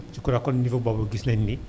je crois kon niveau boobu gis nañ ni